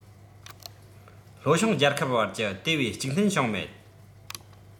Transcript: ལྷོ བྱང རྒྱལ ཁབ བར གྱི དེ བས གཅིག མཐུན བྱུང མེད